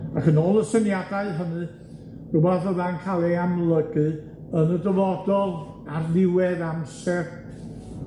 Ac yn ôl y syniadau hynny, rywbath fydda'n ca'l ei amlygu yn y dyfodol ar ddiwedd amser